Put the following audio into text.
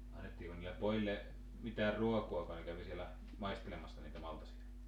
annettiinko niille pojille mitään ruokaa kun ne kävi siellä maistelemassa niitä maltaita